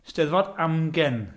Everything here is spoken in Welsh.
Steddfod Amgen.